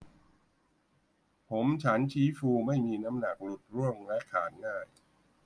ผมฉันชี้ฟูไม่มีน้ำหนักหลุดร่วงและขาดง่าย